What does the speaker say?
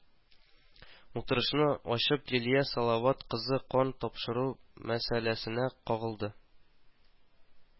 Утырышны ачып, Лилия Салават кызы кан тапшыру мәсьәләсенә кагылды